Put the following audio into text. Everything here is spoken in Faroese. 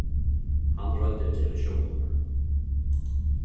hann royndi at gera sjálvmorð